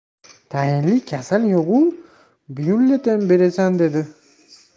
tayinli kasali yo'g'u byulleten berasan deydi